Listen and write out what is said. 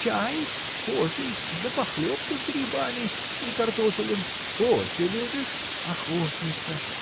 — Чай, кофий — да похлебку с грибами и картофелем. — Кофе любишь? — Охотница.